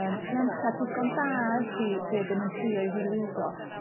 yym rhianta digon da ydi be' 'dan ni'n trio'i hyrwyddo